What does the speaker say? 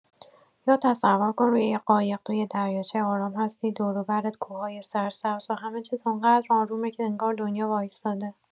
یا تصور کن روی یه قایق تو یه دریاچه آرام هستی، دور و برت کوه‌های سرسبز، و همه‌چیز اونقدر آرومه که انگار دنیا وایستاده.